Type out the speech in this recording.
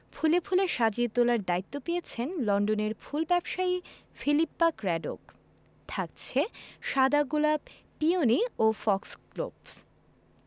ফুলে ফুলে সাজিয়ে তোলার দায়িত্ব পেয়েছেন লন্ডনের ফুল ব্যবসায়ী ফিলিপ্পা ক্র্যাডোক থাকছে সাদা গোলাপ পিওনি ও ফক্সগ্লোভস